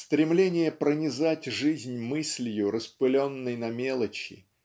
Стремление пронизать жизнь мыслью распыленной на мелочи